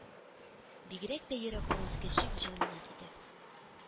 Бигрәк тә ерык авыз Кәшиф җанына тиде